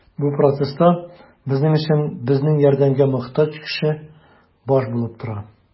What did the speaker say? Бу процесста безнең өчен безнең ярдәмгә мохтаҗ кеше баш булып тора.